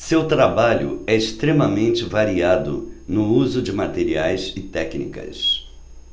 seu trabalho é extremamente variado no uso de materiais e técnicas